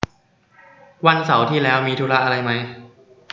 วันเสาร์ที่แล้วมีธุระอะไรมั้ย